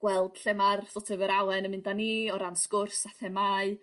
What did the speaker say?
gweld lle ma'r sort of yr awen yn mynd â ni o ran sgwrs a themâu.